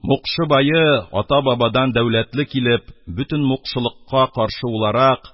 Мукшы бае ата-бабадан дәүләтле килеп, бөтен мукшылыкка каршы уларак